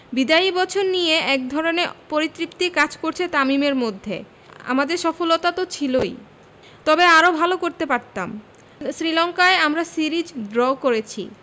বিদায়ী বছর নিয়ে একধরনের পরিতৃপ্তি কাজ করছে তামিমের মধ্যে আমাদের সফলতা তো ছিলই তবে আরও ভালো করতে পারতাম শ্রীলঙ্কায় আমরা সিরিজ ড্র করেছি